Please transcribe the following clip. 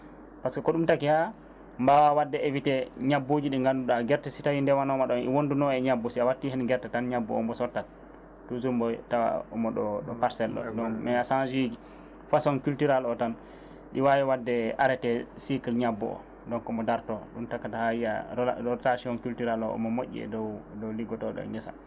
par ce que ko ɗum taaki ha mbaa wadde évité ñabbuji ɗi gannduɗa gerte si tawi ndemanoma ɗo i wonndu no e ñabbu si a watti heen gerte tan ñabbu o mbo sottat toujours mbo tawa omo ɗo ɗo parcelle ɗo mais a change i façon cultural o tan ɗi wawi wadde arrêté cycle ñabbu o donc mo darto ɗum takata ha yiiya rotation cultural o omo moƴƴii e doow doow liggotoɗo e geesa